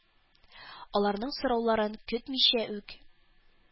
Аларның сорауларын көтмичә үк,